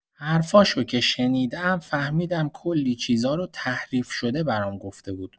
حرفاشو که شنیدم، فهمیدم کلی چیزا رو تحریف‌شده برام گفته بود.